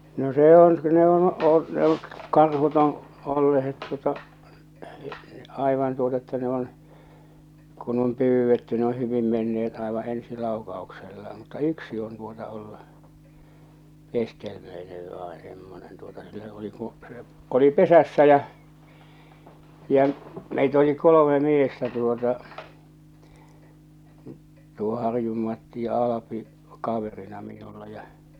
no se on ne on - ne on karhut on olleet tuota aivan tuota että ne on kun on pyydetty ne on hyvin menneet aivan ensi laukauksella mutta yksi on tuota ollut keskimmäinen vai semmoinen tuota se se oli kun se oli pesässä ja ja meitä oli kolme miestä tuota tuo Harjun Matti ja Alpi kaverina minulla ja